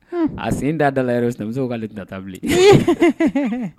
A sen da dala dɔrɔn a sinamuso ko kale tɛ taa bilen